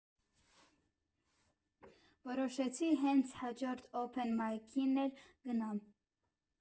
Որոշեցի հենց հաջորդ օփեն մայքին էլ գնալ։